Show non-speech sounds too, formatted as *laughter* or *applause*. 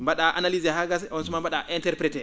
mba?aa analysé *smacks lips* haa gasa oon suman mba?aa interprété